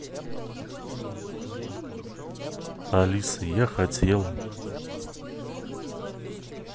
алиса я хотела